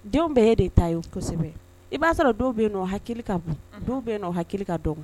Denw bɛɛ ye e de ta ye wo .kosɛbɛ. I ba sɔrɔ dɔw be yen nɔ u hakili ka bon dɔw be yen nɔ u hakili ka dɔgɔ.